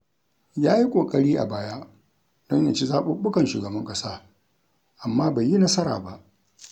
Ya yi ƙoƙari a baya don ya ci zaɓuɓɓukan shugaban ƙasa amma bai yi nasara ba.